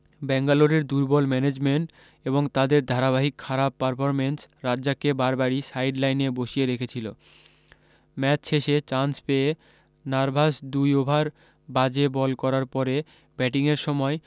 ব্যাঙ্গালোরের দুর্বল ম্যানেজমেন্ট এবং তাদের ধারাবাহিক খারাপ পারফরম্যান্স রাজ্জাককে বারবারি সাইড লাইনে বসিয়ে রেখেছিলো শেষ ম্যাচে চান্স পেয়ে নার্ভাস দুই ওভার বাজে বল করার পরে ব্যাটিংয়ের সময়